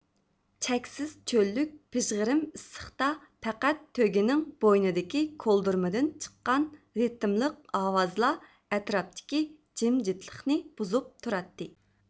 چەكسىز چۆللۈك پىژغىرىم ئىسسىقتا پەقەت تۆگىنىڭ بوينىدىكى كولدۇرمىدىن چىققان رىتىملىق ئاۋازلا ئەتراپتىكى جىمجىتلىقنى بۇزۇپ تۇراتتى